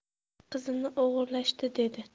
qizimni o'g'irlashdi dedi